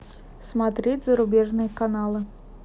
смотреть зарубежные клипы